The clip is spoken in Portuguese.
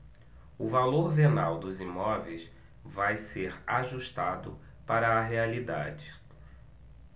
o valor venal dos imóveis vai ser ajustado para a realidade